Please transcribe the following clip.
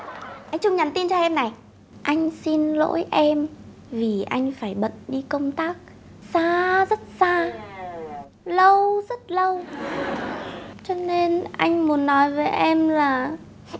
anh trung nhắn tin cho em này anh xin lỗi em vì anh phải bận đi công tác xa rất xa lâu rất lâu cho nên anh muốn nói với em là